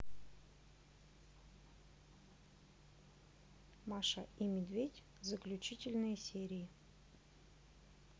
маша и медведь заключительные серии